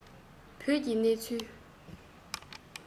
རང རྒྱལ གྱི གནས ཚུལ དང